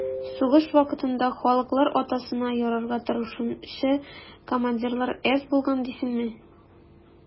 Сугыш вакытында «халыклар атасына» ярарга тырышучы командирлар әз булган дисеңме?